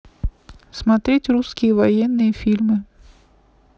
смотреть русские военные фильмы